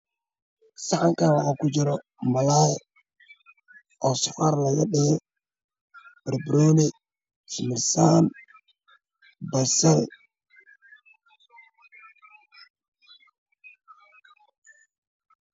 Waa kushiin waxaa ku karaayo digsi ay ku jirto ma laha midabkoodu yahay jaallo